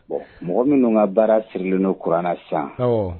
Bon mɔgɔ minnu ka baara sirilennen kuranna san